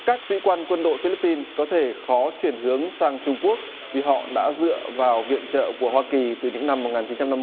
các sĩ quan quân đội phi líp pin có thể khó chuyển hướng sang trung quốc vì họ đã dựa vào viện trợ của hoa kỳ từ những năm một nghìn chín trăm năm